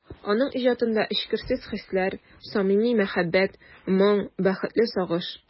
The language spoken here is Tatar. Аның иҗатында эчкерсез хисләр, самими мәхәббәт, моң, бәхетле сагыш...